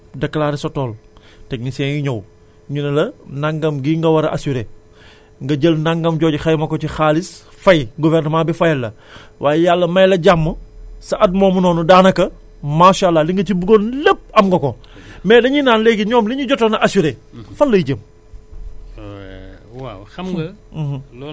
am na solo mais am na tamit ñiy xalaatee ni ñu ñëw déclarer sa tool techniciens yi ñëw ñu ne la nangam bii nga war a assurer nga jël nangam jooju xayma ko ci xaalis fay gouvernement bi fayal la waaye Yàlla may la jàmm sa at moomu noonu daanaka maasaa àllaa li nga ci buggoon lépp am nga ko mais dañuy naan léegi ñoom li ñu jotoon a assurer